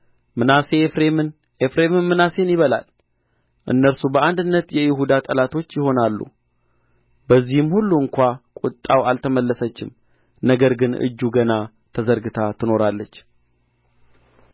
ምናሴ ኤፍሬምን ኤፍሬምም ምናሴን ይበላል እነርሱ በአንድነት የይሁዳ ጠላቶች ይሆናሉ በዚህም ሁሉ እንኳ ቍጣው አልተመለሰችም ነገር ግን እጁ ገና ተዘርግታ ትኖራለች